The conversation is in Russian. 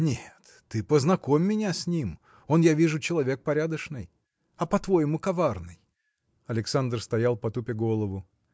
нет, ты познакомь меня с ним: он, я вижу, человек порядочный. а по-твоему, коварный. Александр стоял, потупя голову.